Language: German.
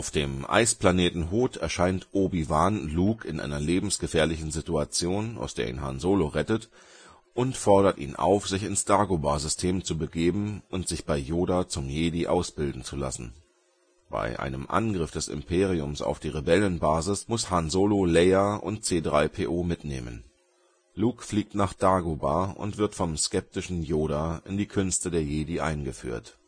dem Eisplaneten Hoth erscheint Obi-Wan Luke in einer lebensgefährlichen Situation, aus der ihn Han Solo rettet und fordert ihn auf, sich ins Dagobah System zu begeben und sich bei Yoda zum Jedi ausbilden zu lassen. Bei einem Angriff des Imperiums auf die Rebellenbasis muss Han Solo Leia und C-3PO mitnehmen. Luke fliegt nach Dagobah und wird vom skeptischen Yoda in die Künste der Jedi eingeführt